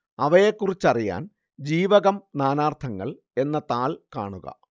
അവയെക്കുറിച്ചറിയാൻ ജീവകം നാനാർത്ഥങ്ങൾ എന്ന താൾ കാണുക